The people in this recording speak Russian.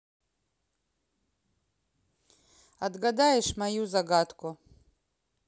отгадаешь мою загадку